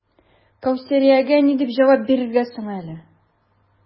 Кәүсәриягә ни дип җавап бирергә соң әле?